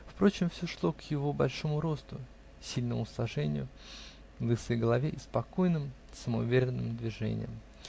Впрочем, все шло к его большому росту, сильному сложению, лысой голове и спокойным, самоуверенным движениям.